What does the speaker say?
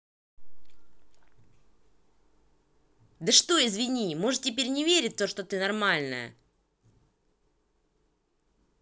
да что извини может теперь не верит в то что ты нормальная